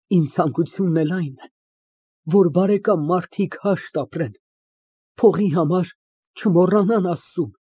Իմ ցանկությունն էլ այն է, որ բարեկամ մարդիկ հաշտ ապրեն, փողի համար չմոռանան Աստծուն։